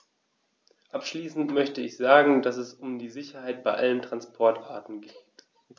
Abschließend möchte ich sagen, dass es um die Sicherheit bei allen Transportarten geht.